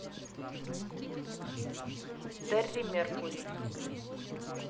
terry меркурий